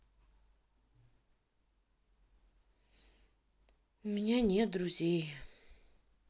а у меня нет друзей